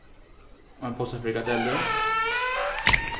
ein posa frikadellur